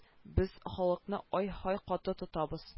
Без халыкны ай-һай каты тотабыз